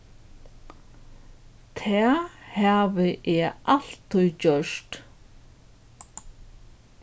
tað havi eg altíð gjørt